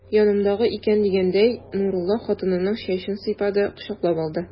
Янымдамы икән дигәндәй, Нурулла хатынының чәчен сыйпады, кочаклап алды.